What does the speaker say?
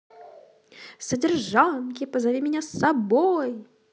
содержанки позови меня с собой